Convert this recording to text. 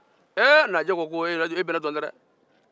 naaje ko e bɛ ne dɔn dɛrɛ